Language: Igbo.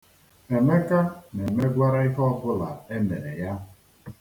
Emeka na-emegwara ihe ọbụla e mere ya.